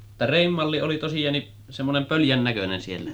että reen malli oli tosiaankin semmoinen pöljän näköinen siellä